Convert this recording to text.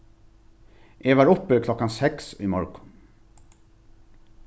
eg var uppi klokkan seks í morgun